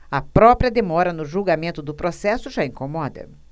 a própria demora no julgamento do processo já incomoda